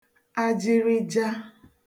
ajịrịja